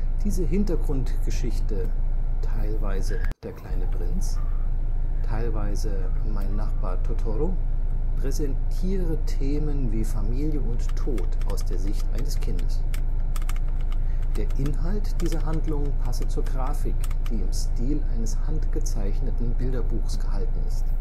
Diese Hintergrundgeschichte, „ teilweise Der kleine Prinz, teilweise Mein Nachbar Totoro “, präsentiere Themen wie Familie und Tod aus der Sicht eines Kindes. Der Inhalt dieser Handlung passe zur Grafik, die im Stil eines handgezeichneten Bilderbuches gehalten ist